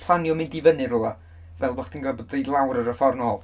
planio mynd i fyny rywle, fel bo' chdi'n gorfod dod i lawr ar y ffordd nôl.